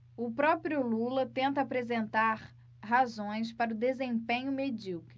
o próprio lula tenta apresentar razões para o desempenho medíocre